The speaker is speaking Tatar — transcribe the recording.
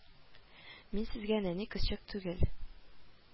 Мин сезгә нәни кызчык түгел